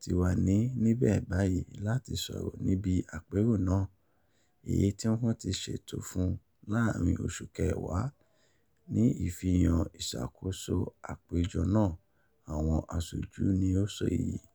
ti wà ní níbẹ̀ bàyíì láti sọ̀rọ̀ níbi àpérò náà, èyí tí wọ́n ti ṣètò fún láàrín oṣù Kẹwàá, ní ìfihàn ìṣàkóso àpéjo náà, àwọn aṣojú ni ó sọ èyí.